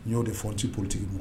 N y'o de fɔ n tɛ politique